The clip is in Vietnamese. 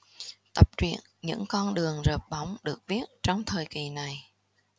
tập truyện những con đường rợp bóng được viết trong thời kỳ này